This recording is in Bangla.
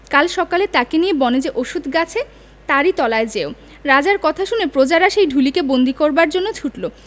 কাল সকালে তাকে নিয়ে বনে যে অশ্বখ গাছে তারই তলায় যেও রাজার কথা শুনে প্রজারা সেই ঢুলিকে বন্দী করবার জন্যে ছুটল